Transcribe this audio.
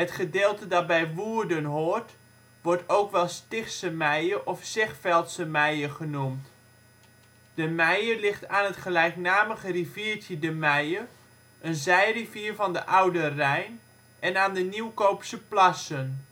gedeelte dat bij Woerden hoort wordt ook wel Stichtse Meije of Zegveldse Meije genoemd. De Meije ligt aan het gelijknamige riviertje de Meije, een zijrivier van de Oude Rijn, en aan de Nieuwkoopse plassen